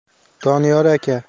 doniyor aka